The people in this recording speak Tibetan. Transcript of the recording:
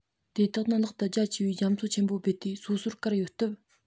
དེ དག ནི ལྷག ཏུ རྒྱ ཆེ བའི རྒྱ མཚོ ཆེན པོས རྦད དེ སོ སོར བཀར ཡོད སྟབས